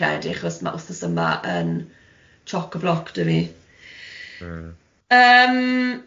credu, achos ma' wthos yma yn chock-a-block dydi. Hmm. Yym.